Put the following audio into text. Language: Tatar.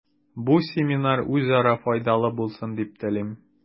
Бу семинар үзара файдалы булсын дип телим.